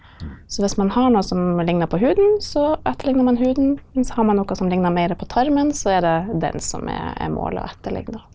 så hvis man har noe som ligner på huden så etterligner man huden, mens har man noe som ligner mere på tarmen så er det den som er er målet å etterligne.